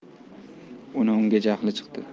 uni unga jahli chiqdi